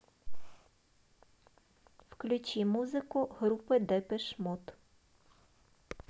включи музыку группы депеш мод